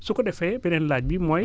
su ko defee beneen laaj bi mooy